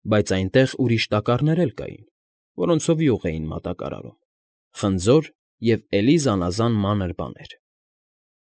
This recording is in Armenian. Բայց այնտեղ ուրիշ տակառներ էլ կային, որոնցով յուղ էին մատակարարում, խնձոր և էլի զանազան մանր բաներ։